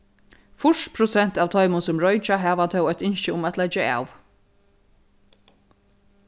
fýrs prosent av teimum sum roykja hava tó eitt ynski um at leggja av